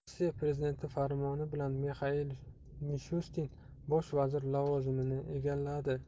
rossiya prezidenti farmoni bilan mixail mishustin bosh vazir lavozimini egalladi